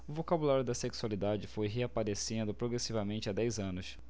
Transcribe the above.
o vocabulário da sexualidade foi reaparecendo progressivamente há dez anos